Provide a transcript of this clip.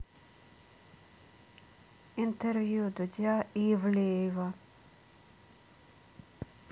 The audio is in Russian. интервью дудя и ивлеева